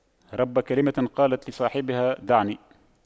رب كلمة قالت لصاحبها دعني